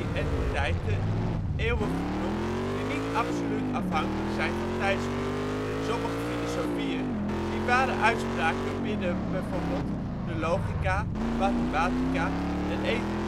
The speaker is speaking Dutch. entiteiten eeuwig genoemd die niet absoluut afhankelijk zijn van tijdsduur; sommige filosofieën zien ware uitspraken binnen bijvoorbeeld de logica, mathematica en ethica